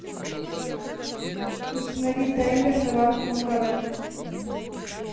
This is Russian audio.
установи таймер на варку макарон